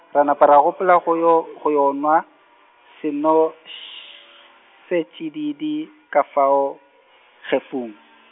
ra napa ra gopola go yo, go yo nwa, senosetšididi, ka fao, khefing.